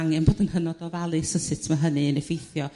angen bod yn hynod ofalus o sut ma' hynny yn effeithio